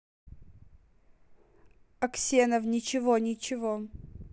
аксенов ничего ничего